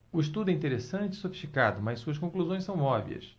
o estudo é interessante e sofisticado mas suas conclusões são óbvias